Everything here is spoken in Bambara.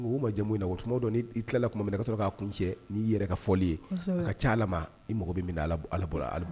Ma jɛ na o dɔn ni i tilala tuma min ne ka sɔrɔ k'a kun cɛ n'i yɛrɛ ka fɔli ye ka ca ala ma i mɔgɔ min ala bɔra ala